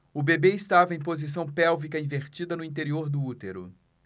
o bebê estava em posição pélvica invertida no interior do útero